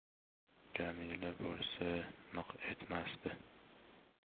jamila bo'lsa miq etmasdi